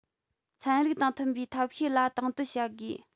ཚན རིག དང མཐུན པའི ཐབས ཤེས ལ དང དོད བྱ དགོས